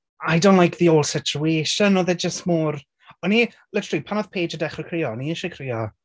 I don't like the whole situation, oedd e jyst mor... O'n i literally, pan wnaeth Paige i dechrau crio, o'n i eisiau crio.